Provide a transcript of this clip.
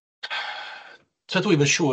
Tydw i'm yn siŵr...